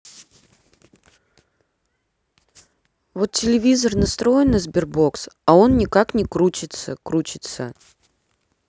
вот телевизор настроен на sberbox а он никак не крутится крутится